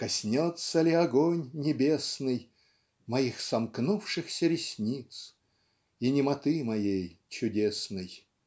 Коснется ли огонь небесный Моих сомкнувшихся ресниц И немоты моей чудесной?